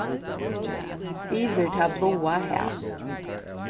yvir tað bláa hav